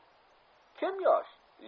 kim yosh